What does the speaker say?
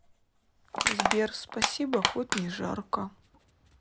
сбер спасибо хоть не жарко